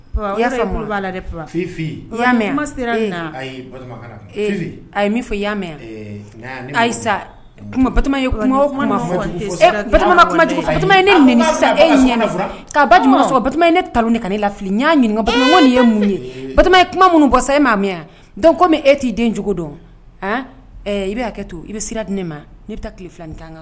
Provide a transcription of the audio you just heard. Ayi ne e ne ta ni kana e la y'a ɲininka ye mun ye ye kuma minnu bɔ sa e ye maa min komi e t'i den cogo dɔn i bɛ kɛ to i bɛ sira di ne ma filanin tan kan